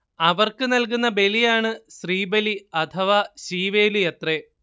അവർക്ക് നൽകുന്ന ബലിയാണ് ശ്രീബലി അഥവാ ശീവേലി അത്രെ